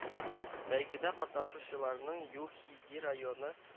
Бәйгедә катнашучыларны ЮХИДИ районы